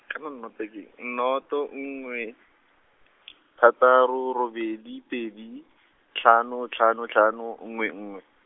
kana nnoto ke eng? nnoto nngwe , thataro robedi pedi, tlhano tlhano tlhano nngwe nngwe.